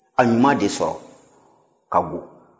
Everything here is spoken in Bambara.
a ɲuman de sɔrɔ ka go